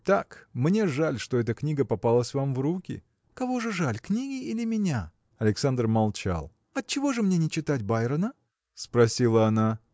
– Так; мне жаль, что эта книга попалась вам в руки. – Кого же жаль: книги или меня? Александр молчал. – Отчего же мне не читать Байрона? – спросила она.